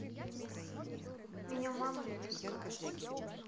меня мама не пускает